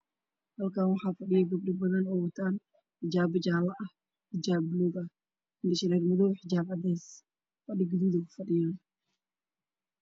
Halkaan waxaa fadhiya gabdho badan oo wataan xijaabo jaallo ah xijaabo baluug ah indho shareero madow ah xijaabo cadays fadhi gaduud ku fadhiyaan.